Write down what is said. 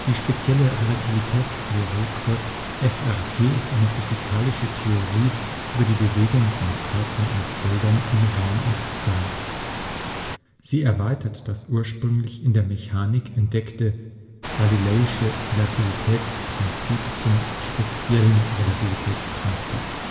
spezielle Relativitätstheorie (kurz SRT) ist eine physikalische Theorie über die Bewegung von Körpern und Feldern in Raum und Zeit. Sie erweitert das ursprünglich in der Mechanik entdeckte galileische Relativitätsprinzip zum speziellen Relativitätsprinzip